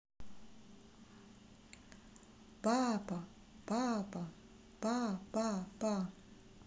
папа папа па па па